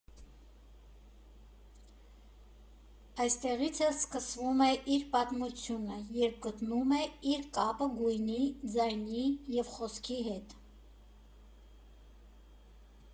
Այստեղից էլ սկսվում է իր պատմությունը, երբ գտնում է իր կապը գույնի, ձայնի և խոսքի հետ.